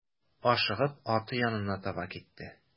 Ашыгып аты янына таба китте.